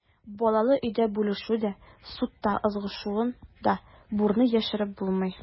Балалы өйдә бүлешү дә, судта ызгышу да, бурны яшереп булмый.